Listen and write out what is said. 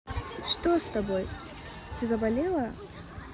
что с тобой ты заболела